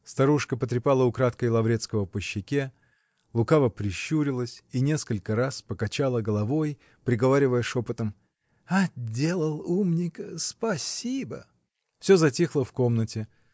Старушка потрепала украдкой Лаврецкого по щеке, лукаво прищурилась и несколько раз покачала головой, приговаривая шепотом: "Отделал умника, спасибо". Все затихло в комнате